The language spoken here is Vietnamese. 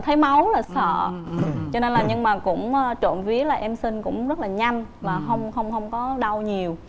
thấy máu là sợ cho nên là nhưng mà cũng trộm vía là em sinh cũng rất là nhanh mà không không không có đau nhiều